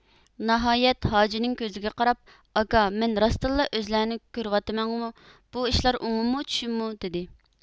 ناھايەت ھاجىنىڭ كۆزىگە قاراپ ئاكا مەن راستتىنلا ئۆزلەنى كۆرۈۋاتىمەنمۇ بۇ ئىشلار ئوڭۇممۇ چۈشۈممۇ دېدى